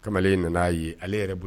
Kamalen nana a ye, ale yɛrɛ bolo